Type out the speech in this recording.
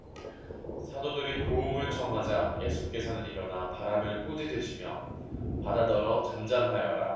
사도들이 도움을 청하자 예수께서는 일어나 바람을 꾸짖으시며 바다더러 잠잠하여라